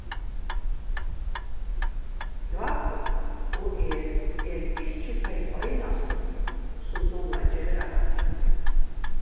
jákup og eg eru ikki tey einastu sum duga at gera hatta